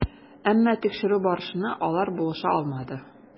Әмма тикшерү барышына алар булыша алмады.